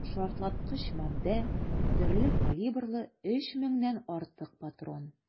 Шартлаткыч матдә, төрле калибрлы 3 меңнән артык патрон.